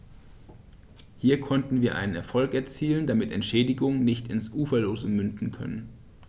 Hier konnten wir einen Erfolg erzielen, damit Entschädigungen nicht ins Uferlose münden können.